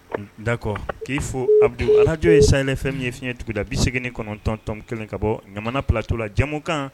Dakɔ k'i fɔ abududo alajo ye saɲɛfɛn min ye fiɲɛɲɛuguda bisɛ kɔnɔntɔntɔn kelen ka bɔ ɲamana ptɔ la jamumu kan